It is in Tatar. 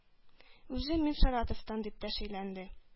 Үзе: “Мин Саратовтан”, – дип тә сөйләнде.